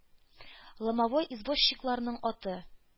Ломовой извозчикларның аты